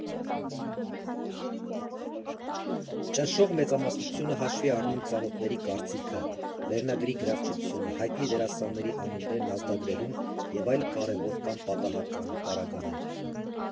Ճնշող մեծամասնությունը հաշվի է առնում ծանոթների կարծիքը, վերնագրի գրավչությունը, հայտնի դերասանների անուններն ազդագրերում և այլ կարևոր կամ պատահական պարագաներ։